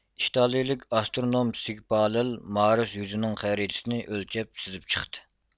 ئىتالىيىلىك ئاسترونوم سېگپالېل مارس يۈزىنىڭ خەرىتىسىنى ئۆلچەپ سىزىپ چىقتى